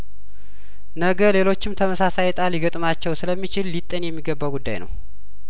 ነገ ሌሎችም ተመሳሳይእጣ ሊገጥማቸው ስለሚችል ሊጤን የሚገባው ጉዳይ ነው